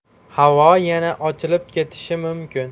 havo yana ochilib ketishi mumkin